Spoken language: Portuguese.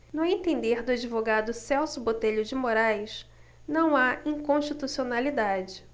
no entender do advogado celso botelho de moraes não há inconstitucionalidade